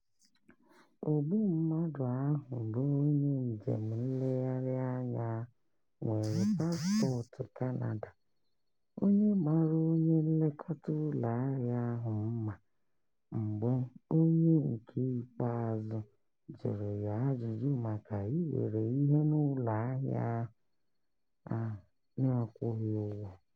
Ogbu mmadụ ahụ bụ onye njem nlegharị anya nwere pasịpọọtụ Canada, onye mara onye nlekọta ụlọ ahịa ahụ mma mgbe onye nke ikpeazụ jụrụ ya ajụjụ maka iwere ihe n'ụlọ ahịa ahụ n'akwụghị ụgwọ.